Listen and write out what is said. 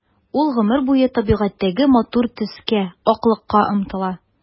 Ул гомере буе табигатьтәге матур төскә— аклыкка омтыла.